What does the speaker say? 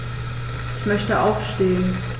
Ich möchte aufstehen.